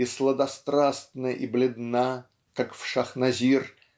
И сладострастна, и бледна, Как в шакнизир